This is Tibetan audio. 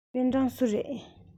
པེན ཀྲང སུ རེད